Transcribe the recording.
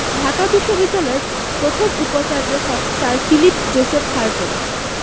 ঢাকা বিশ্ববিদ্যালয়ের প্রথম উপাচার্য হন স্যার ফিলিপ জোসেফ হার্টগ